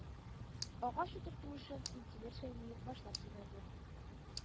Агач утырту эшен Миңтимер Шәймиев башлап җибәрде